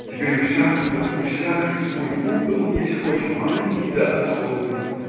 Теперь у всякого и у всякой свой угол есть, хоть маленький, да особый.